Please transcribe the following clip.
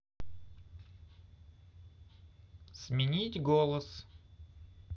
сменить голос